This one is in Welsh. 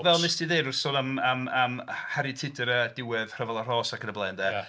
Fel wnes 'di ddeud wrth sôn am... am... am Harri Tudur a diwedd Rhyfel y Rhos Ac yn y blaen 'de.